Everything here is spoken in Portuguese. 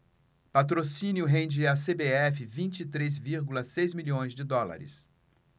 patrocínio rende à cbf vinte e três vírgula seis milhões de dólares